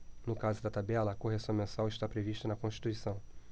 no caso da tabela a correção mensal está prevista na constituição